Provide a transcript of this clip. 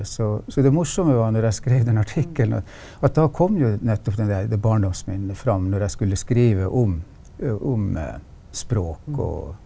så så det morsomme var nå jeg skreiv den artikkelen at at da kom jo nettopp den der det barndomsminnet fram når jeg skulle skrive om om språk og.